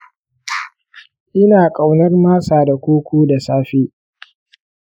ina ƙaunar masa da koko da safe.